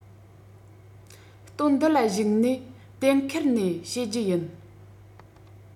དོན འདི ལ གཞིགས ནས གཏན འཁེལ ནས བཤད རྒྱུ ཡིན